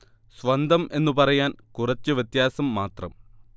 സ്വന്തം എന്നു പറയാൻ കുറച്ച് വ്യത്യാസം മാത്രം